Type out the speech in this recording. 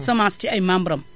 semence ci ay membres am